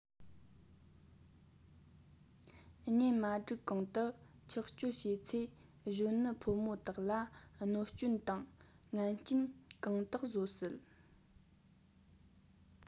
གཉེན མ སྒྲིག གོང དུ ཆགས སྤྱོད བྱས ཚེ གཞོན ནུ ཕོ མོ དག ལ གནོད སྐྱོན དང ངན རྐྱེན གང དག བཟོ སྲིད